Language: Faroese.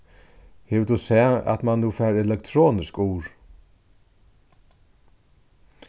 hevur tú sæð at mann nú fær elektronisk ur